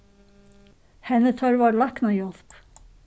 henni tørvar læknahjálp